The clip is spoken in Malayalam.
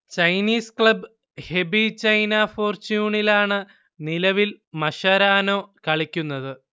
ചൈനീസ് ക്ലബ് ഹെബി ചൈന ഫോർച്യുണിലാണ് നിലവിൽ മഷരാനോ കളിക്കുന്നത്